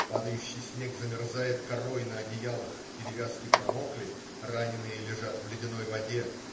Падающий снег замерзает корой на одеялах, перевязки промокли. Раненые лежат в ледяной воде.